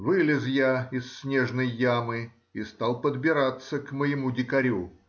Вылез я из снежной ямы и стал подбираться к моему дикарю